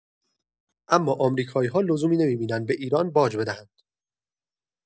اما آمریکایی‌ها لزومی نمی‌ببینند به ایران باج بدهند.